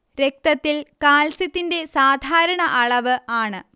രക്തത്തിൽ കാൽസ്യത്തിന്റെ സാധാരണ അളവ് ആണ്